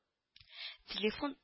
Телефон